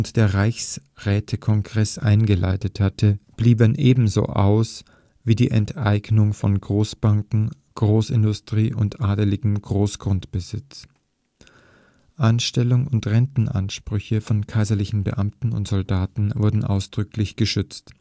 der Reichsrätekongress eingeleitet hatte, blieben ebenso aus wie die Enteignung von Großbanken, Großindustrie und adeligem Großgrundbesitz. Anstellung und Rentenansprüche von kaiserlichen Beamten und Soldaten wurden ausdrücklich geschützt